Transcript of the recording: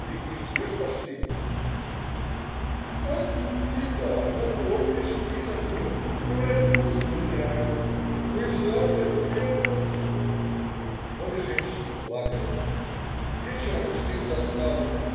ведь не все же пошли?" "Как не итти-то? На двор пришли за ним. Говорят, расстреляем. ну и взяли, а теперь вот. " Обе женщины плакали. Вечером ушли в заставу.